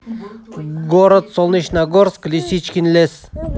город солнечногорск лисичкин лес